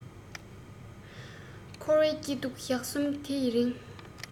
འཁོར བའི སྐྱིད སྡུག ཞག གསུམ འདི ཡི རིང